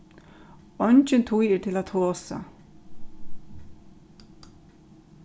eingin tíð er til at tosa